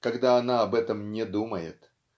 когда она об этом не думает.